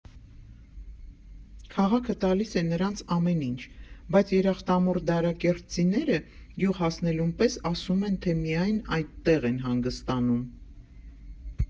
Քաղաքը տալիս է նրանց ամեն ինչ, բայց երախտամոռ դարակերտցիները գյուղ հասնելուն պես ասում են, թե միայն այդտեղ են հանգստանում։